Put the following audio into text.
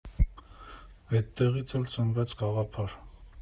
«Էդտեղից էլ ծնվեց գաղափար.